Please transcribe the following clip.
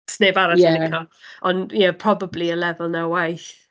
Does neb arall... Ie ...yn lico? Ond ie, probably y lefel 'na o waith.